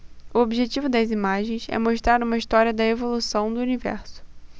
o objetivo das imagens é mostrar uma história da evolução do universo